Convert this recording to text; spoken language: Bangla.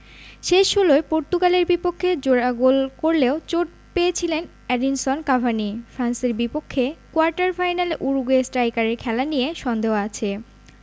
শেষ ষোলোয় পর্তুগালের বিপক্ষে জোড়া গোল করলেও চোট পেয়েছিলেন এডিনসন কাভানি ফ্রান্সের বিপক্ষে কোয়ার্টার ফাইনালে উরুগুয়ে স্ট্রাইকারের খেলা নিয়ে সন্দেহ আছে